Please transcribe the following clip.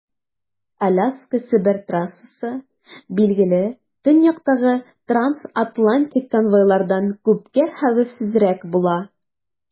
Аляска - Себер трассасы, билгеле, төньяктагы трансатлантик конвойлардан күпкә хәвефсезрәк була.